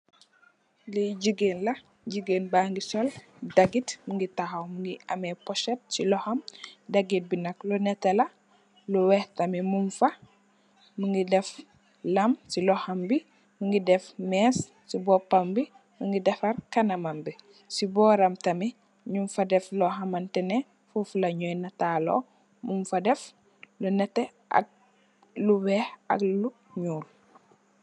Lii gigain la, gigain baangy sol dahgit, mungy takhaw, mungy ameh porset cii lokhom, dahgit bii nak lu nehteh la, lu wekh tamit mung fa, mungy deff lam cii lokham bii, mungy deff meeche cii bopam bii, mungy defarr kanamam bii, cii bohram tamit njung fa deff lor hamanteh neh fofu la njoi naatalor, mung fa deff lu nehteh ak lu wekh ak lu njull.